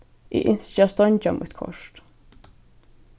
eg ynski at steingja mítt kort